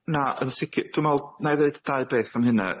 Na, yn sicir. Dwi me'wl 'na i ddeud dau beth am hynne.